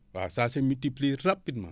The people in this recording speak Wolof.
waaw sa se multiplie rapidement